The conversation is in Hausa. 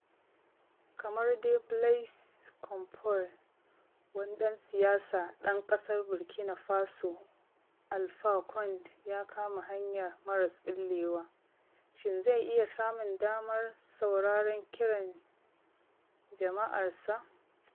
Kamar dai Blaise Compaore [wani ɗan siyasa dan ƙasar Burkina Faso], Alpha Conde ya kama hanyar maras ɓullewa. Shin zai iya samun damar sauraron kiran jama'ar ƙasarsa